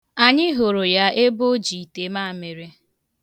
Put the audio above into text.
Anyị hụrụ ya ebe o ji itemaamịrị.